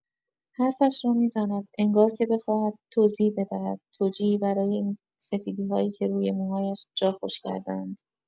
حرفش را می‌زند، انگار که بخواهد توضیحی بدهد، توجیهی برای این سفیدی‌هایی که روی موهایش جا خوش کرده‌اند.